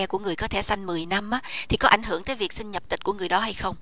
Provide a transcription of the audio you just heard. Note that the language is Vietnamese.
của người có thẻ xanh mười năm ớ thì có ảnh hưởng tới việc xin nhập tịch của người đó hay không